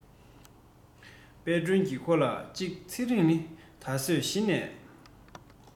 དཔལ སྒྲོན གྱིས ཁོ ལ གཅིག ཚེ རིང ནི ད གཟོད གཞི ནས